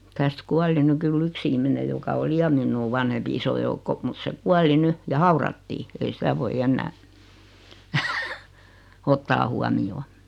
tästä kuoli nyt kyllä yksi ihminen joka oli ja minua vanhempi iso joukko mutta se kuoli nyt ja haudattiin ei sitä voi enää ottaa huomioon